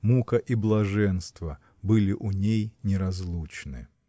мука и блаженство были у ней неразлучны.